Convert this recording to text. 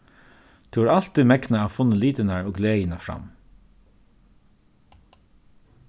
tú hevur altíð megnað at funnið litirnar og gleðina fram